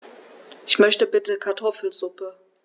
Ich möchte bitte Kartoffelsuppe.